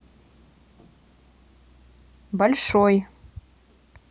большой